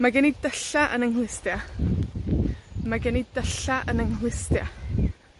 mae gen i dylla' yn 'yng nghlustia. Ma' gen i dylla' yn 'yng nghlustia.